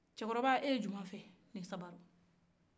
cɛkɔrɔba e bɛ jumɛn fɛ ni sabala